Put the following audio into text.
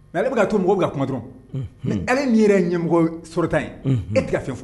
Ale bɛ k'a to mɔgɔ bɛ k'a kuma dɔrɔn. Ale min yɛrɛ ye ɲɛmɔgɔ sortant ye. Unhun. E tɛ ka fɛn fɔ